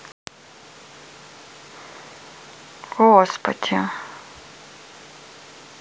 господи